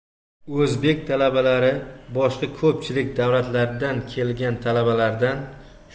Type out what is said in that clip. o'zbek talabalar boshqa ko'pchilik davlatlardan kelgan talabalardan